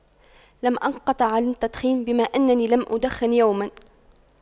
لم انقطع عن التدخين بما أنني لم أدخن يوما